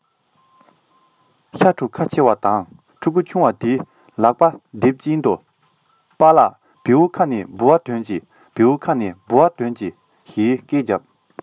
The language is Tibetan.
ཤ ཕྲུའི ཁ ཕྱེ བ དང ཕྲུ གུ ཆུང བ དེས ལག པ རྡེབ ཀྱིན དུ པྰ ལགས བེའུའི ཁ ནས ལྦུ བ དོན གྱིས བེའུའི ཁ ནས ལྦུ བ དོན གྱིས ཟེར སྐད རྒྱབ